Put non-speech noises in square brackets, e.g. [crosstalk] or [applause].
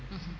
[hesitation] [hesitation]